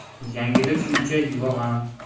yangilik uncha yo'g'am